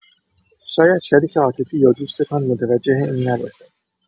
شاید شریک عاطفی یا دوستتان متوجه این نباشد.